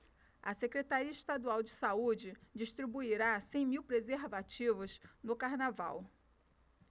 a secretaria estadual de saúde distribuirá cem mil preservativos no carnaval